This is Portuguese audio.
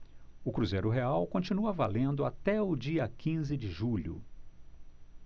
o cruzeiro real continua valendo até o dia quinze de julho